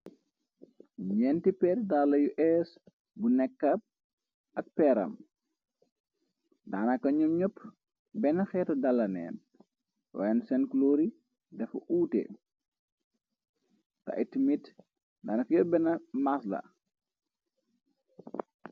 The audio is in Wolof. Ñeenti peer daala yu ees bu nekkab ak peeram, daana ka ñum ñepp benn xeetu dalaneen, waayen seen kuloor yi dafa uute ta ait mit daana ka yop benn masla.